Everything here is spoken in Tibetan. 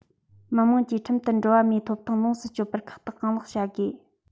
༄༅ མི དམངས ཀྱིས ཁྲིམས ལྟར འགྲོ བ མིའི ཐོབ ཐང ལོངས སུ སྤྱོད པར ཁག ཐེག གང ལེགས བྱ དགོས